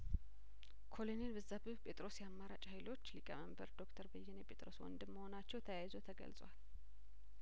ኮሎኔል በዛብህ ጴጥሮስ የአማራጭ ሀይሎች ሊቀመንበር ዶክተር በየነ ጴጥሮስ ወንድም መሆናቸው ተያይዞ ተገልጿል